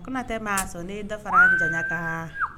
Kotɛ ma sɔn ne dafara janɲa kan